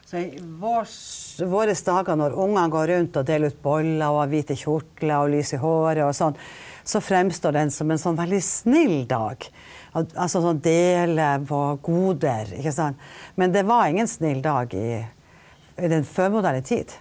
så i våre dager når ungene går rundt og deler ut boller og har hvite kjortler og lys i håret og sånn, så fremstår den som en sånn veldig snill dag, at altså sånn dele på goder ikke sant, men det var ingen snill dag i i den førmoderne tid.